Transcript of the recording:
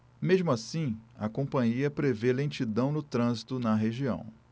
mesmo assim a companhia prevê lentidão no trânsito na região